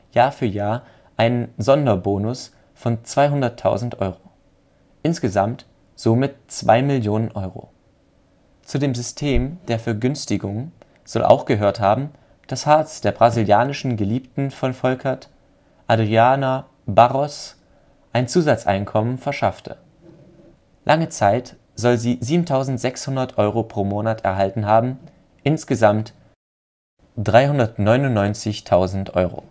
Jahr für Jahr einen „ Sonderbonus “von 200.000 Euro – insgesamt somit zwei Millionen Euro. Zu dem System der Vergünstigungen soll auch gehört haben, dass Hartz der brasilianischen Geliebten von Volkert, Adriana Barros, ein Zusatzeinkommen verschaffte. Lange Zeit soll sie 7.600 Euro pro Monat erhalten haben – insgesamt 399.000 Euro